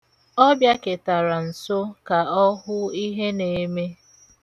Ọ bịaketara nso ka ọ hụ ihe na-eme.